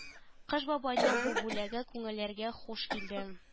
Кыш бабайның бу бүләге күңелләргә хуш килде